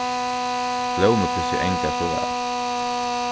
blómutyssið angar so væl